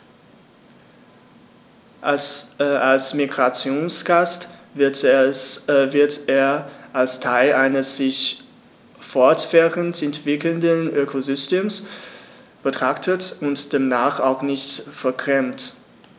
Als Migrationsgast wird er als Teil eines sich fortwährend entwickelnden Ökosystems betrachtet und demnach auch nicht vergrämt.